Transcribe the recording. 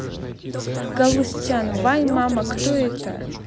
галустян вай мама кто это